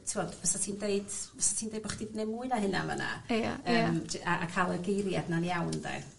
t'wod fysa ti'n deud fysa ti'n deud bo' chdi 'di neud mwy na hynna yn fyn 'na. Ia ia. Yym jy- a a ca'l y geiriad 'na'n iawn 'de?